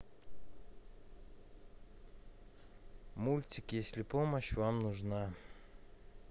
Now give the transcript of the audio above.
мультик если помощь вам нужна